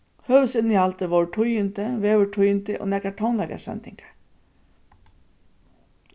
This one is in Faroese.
høvuðsinnihaldið vóru tíðindi veðurtíðindi og nakrar tónleikasendingar